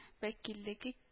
Вәкиллеге